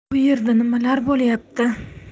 bu yerda nimalar bo'layapti